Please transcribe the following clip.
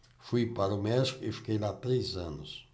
fui para o méxico e fiquei lá três anos